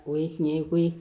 O ye tiɲɛ ye koyi ye